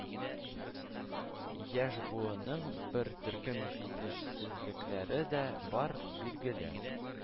Яшь буынның бер төркем җитешсезлекләре дә бар, билгеле